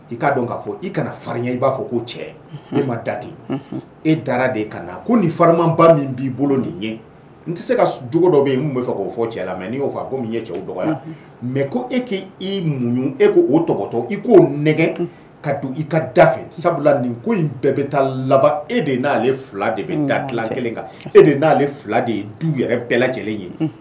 I k'a dɔn' fɔ kana farin i b'a fɔ ko cɛ e ma da e dara de ka ko ni farimaba min b'i bolo nin ɲɛ n tɛ se ka jugu dɔ yen tun fɔ k'o fɔ cɛ la mɛ n y'o fɔ ko nin ye cɛw' o dɔgɔ mɛ ko e k'i muɲ e ko'o tɔgɔtɔ i k'o nɛgɛ ka don i ka da fɛ sabula nin ko in bɛɛ bɛ taa laban e de n'ale fila de bɛ taa dila kelen kan e de n'ale fila de ye du yɛrɛ bɛɛ lajɛlen ɲini